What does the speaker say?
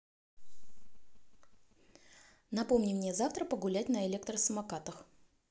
напомни мне завтра погулять на электросамокатах